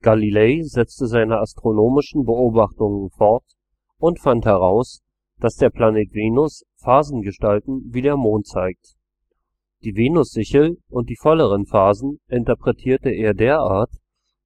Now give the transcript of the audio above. Galilei setzte seine astronomischen Beobachtungen fort und fand heraus, dass der Planet Venus Phasengestalten wie der Mond zeigt. Die Venussichel und die volleren Phasen interpretierte er derart,